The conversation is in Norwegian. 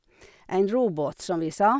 En robåt, som vi sa.